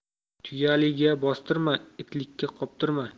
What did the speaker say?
tuyaliga bostirma itlikka qoptirma